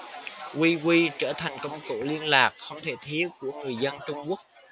qq trở thành công cụ liên lạc không thể thiếu của người dân trung quốc